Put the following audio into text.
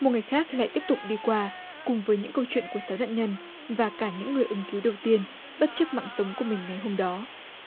một người khác lại tiếp tục đi qua cùng với những câu chuyện của sáu nạn nhân và cả những người ứng cứu đức tiên bất chấp mạng sống của mình ngày hôm đó